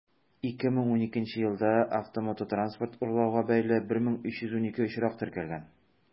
2012 елда автомототранспорт урлауга бәйле 1312 очрак теркәлгән.